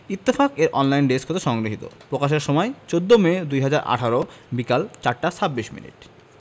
ইত্তেফাক এর online desk হতে সংগৃহীত প্রকাশের সময় ১৪মে ২০১৮ বিকেল ৪টা ২৬ মিনিট